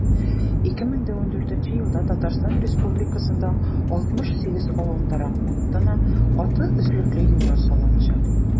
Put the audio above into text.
2014 елда татарстан республикасында 68 авыл торак пунктына каты өслекле юллар салыначак.